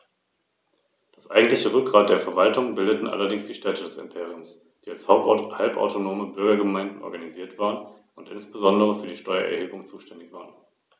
Auffallend ist neben der für Adler typischen starken Fingerung der Handschwingen der relativ lange, nur leicht gerundete Schwanz.